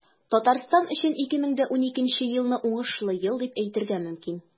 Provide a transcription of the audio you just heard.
Татарстан өчен 2012 елны уңышлы ел дип әйтергә мөмкин.